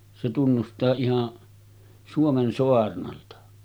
se tunnustaa ihan Suomen saarnalta